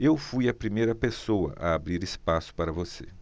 eu fui a primeira pessoa a abrir espaço para você